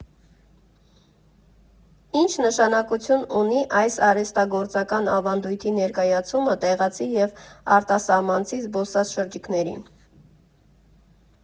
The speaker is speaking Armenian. Ի՞նչ նշանակություն ունի այս արհեստագործական ավանդույթի ներկայացումը տեղացի և արտասահմանցի զբոսաշրջիկներին։